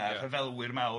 a rhyfelwyr mawr,